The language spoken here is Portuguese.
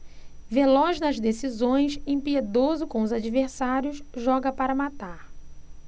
veloz nas decisões impiedoso com os adversários joga para matar